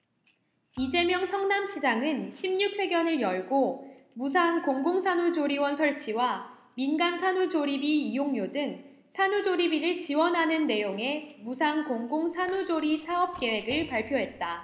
이재명 성남시장은 십 육 회견을 열고 무상 공공산후조리원 설치와 민간 산후조리비 이용료 등 산후조리비를 지원하는 내용의 무상 공공산후조리 사업계획을 발표했다